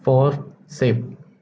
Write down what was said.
โฟธสิบ